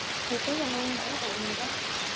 chị ký giùm em bản hợp đồng này với